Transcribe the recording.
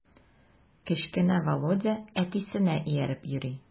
Кечкенә Володя әтисенә ияреп йөри.